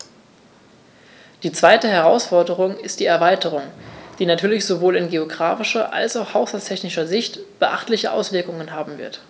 Die zweite Herausforderung ist die Erweiterung, die natürlich sowohl in geographischer als auch haushaltstechnischer Sicht beachtliche Auswirkungen haben wird.